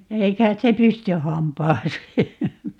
ei kai se pysty hampaaseen